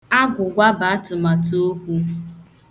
Agwụgwa bụ atụmatụ okwu.